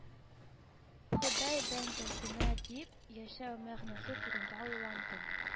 Ходай бәндәсенә дип, яшәү мәгънәсе турында уйландым